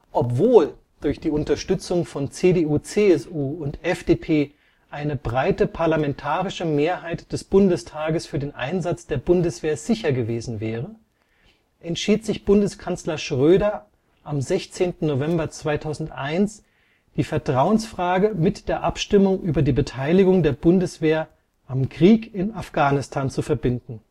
Obwohl durch die Unterstützung von CDU/CSU und FDP eine breite parlamentarische Mehrheit des Bundestages für den Einsatz der Bundeswehr sicher gewesen wäre, entschied sich Bundeskanzler Schröder, am 16. November 2001 die Vertrauensfrage mit der Abstimmung über die Beteiligung der Bundeswehr am Krieg in Afghanistan zu verbinden